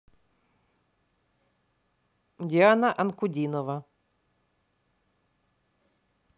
диана анкудинова